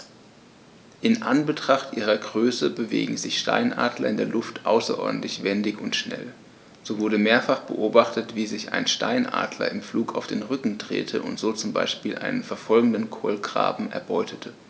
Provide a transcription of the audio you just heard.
In Anbetracht ihrer Größe bewegen sich Steinadler in der Luft außerordentlich wendig und schnell, so wurde mehrfach beobachtet, wie sich ein Steinadler im Flug auf den Rücken drehte und so zum Beispiel einen verfolgenden Kolkraben erbeutete.